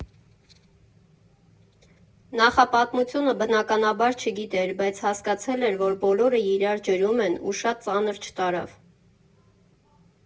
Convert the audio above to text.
Նախապատմությունը բնականաբար չգիտեր, բայց հասկացել էր, որ բոլորը իրար ջրում են, ու շատ ծանր չտարավ։